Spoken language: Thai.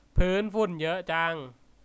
พื้นฝุ่นเยอะจัง